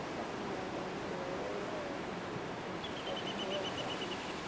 Technoleg yn hwyl. Yym mathemateg yn hwyl. Drama.